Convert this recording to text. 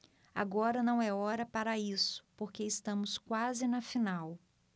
agora não é hora para isso porque estamos quase na final